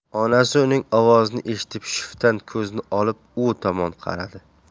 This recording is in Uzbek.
onasi uning ovozini eshitib shiftdan ko'zini olib u tomon qaradi